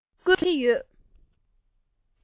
ཟ མ བརྐུ བའི བརྒྱུད རིམ ནི བདག ལ